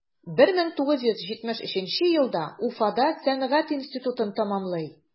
1973 елда уфада сәнгать институтын тәмамлый.